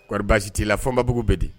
Kɔri baasi t'i la Fɔnbabugu be di